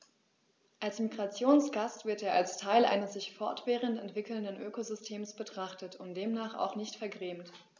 Als Migrationsgast wird er als Teil eines sich fortwährend entwickelnden Ökosystems betrachtet und demnach auch nicht vergrämt.